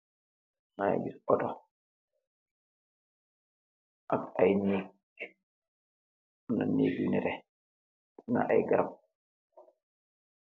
Magi giss auto am ay neeg ammna neeg yu neteh ammna ay garab.